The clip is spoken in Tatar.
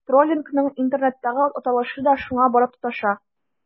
Троллингның интернеттагы аталышы да шуңа барып тоташа.